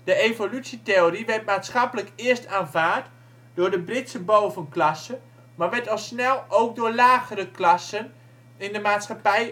evolutietheorie werd maatschappelijk eerst aanvaard door de Britse bovenklasse, maar werd al snel ook door lagere klassen in de maatschappij